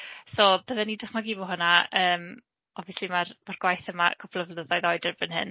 So bydden ni'n dychmygu bo' hynna yym obviously, ma'r ma'r gwaith yma cwpl o flynyddoedd oed erbyn hyn.